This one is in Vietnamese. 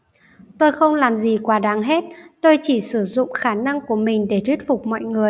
tôi không làm gì quá đáng hết tôi chỉ sử dụng khả năng của mình để thuyết phục mọi người